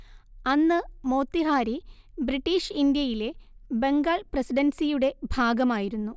അന്ന് മോത്തിഹാരി ബ്രിട്ടീഷ് ഇന്ത്യയിലെ ബംഗാൾ പ്രസിഡൻസിയുടെ ഭാഗമായിരുന്നു